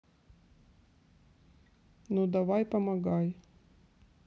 ну давай помогай